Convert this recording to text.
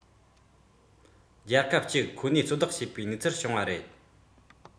པར གཞི མང པོ ཐོན ཁོ ཐག ཡིན